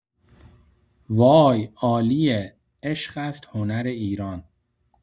وای عالیه عشق است هنر ایران